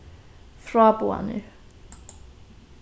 fráboðanir